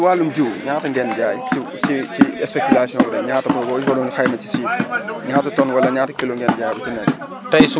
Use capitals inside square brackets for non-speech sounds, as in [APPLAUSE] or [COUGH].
comme ci wàllum jiw [CROSSTALK] ñaata ngeen jaay [NOISE] ci ci ci inspectation bi ñaata [NOISE] nga ko nga ko doon xayma ci chiffre [CROSSTALK] ñaata tonne wala ñaata kilo ngeen jaay bu ci nekk [CROSSTALK]